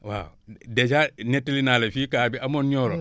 waaw dèjà nettali naa la fii cas bi amoon Nioro